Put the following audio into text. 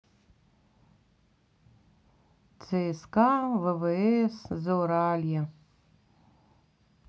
цск ввс зауралье